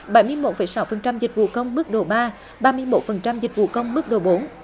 bảy mươi một phẩy sáu phần trăm dịch vụ công mức độ ba ba mươi mốt phần trăm dịch vụ công mức độ bốn